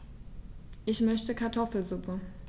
Ich möchte Kartoffelsuppe.